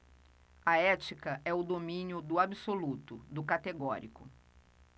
a ética é o domínio do absoluto do categórico